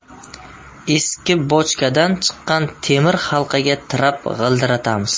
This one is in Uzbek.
eski bochkadan chiqqan temir halqaga tirab g'ildiratamiz